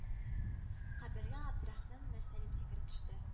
Кабергә габдерахман мөрсәлим сикереп төште